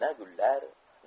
na gullar